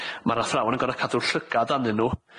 ma'r athrawon yn gor'o' cadw'r llygad a'nyn nw.